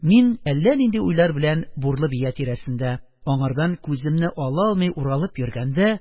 Мин әллә нинди уйлар белән бурлы бия тирәсендә, аңардан күземне ала алмый уралып йөргәндә,